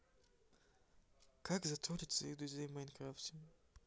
как затроллить своих друзей в майнкрафте